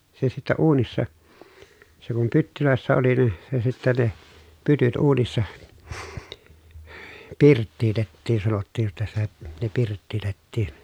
se sitten uunissa se kun pytyissä oli niin se sitten ne pytyt uunissa pirttiitettiin sanottiin jotta sitä ne pirttiitettiin